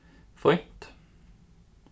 fínt